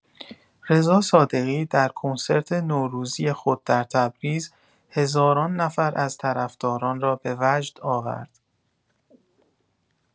رضا صادقی در کنسرت نوروزی خود در تبریز هزاران نفر از طرفداران را به وجد آورد.